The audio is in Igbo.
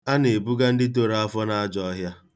A na-ebuga ndị toro afọ n'ajọ ọhịa.